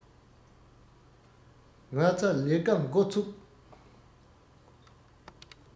ང ཚ ལས ཀ འགོ ཚུགས